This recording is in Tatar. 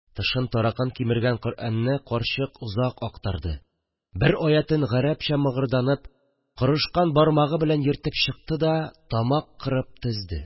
Тышын таракан кимергән коръәнне карчык озак актарды, бер аятен гарәпчә мыгырданып, корышкан бармагы белән йөртеп чыкты да, тамак кырып тезде